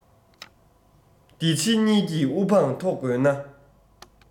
འདི ཕྱི གཉིས ཀྱི དབུ འཕང མཐོ དགོས ན